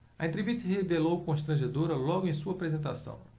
a entrevista se revelou constrangedora logo em sua apresentação